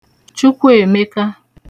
Chukwuemēkā